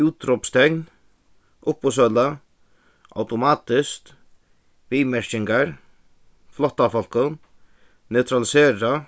útrópstekn uppboðssøla automatiskt viðmerkingar flóttafólkum neutralisera